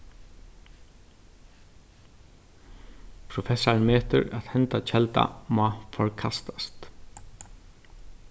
professarin metir at henda kelda má forkastast